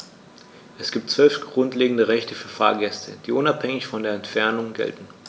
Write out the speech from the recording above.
Es gibt 12 grundlegende Rechte für Fahrgäste, die unabhängig von der Entfernung gelten.